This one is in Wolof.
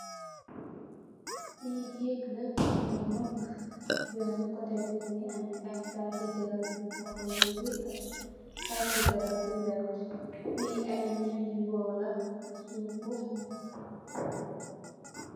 Fi gèej la, geej bi mag benen kotè bi mungi ameh ay taati garab yu coco yu rëy ak taati garab yu vert. Fi ay nëh yu waw la nung foof.